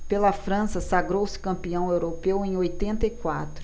pela frança sagrou-se campeão europeu em oitenta e quatro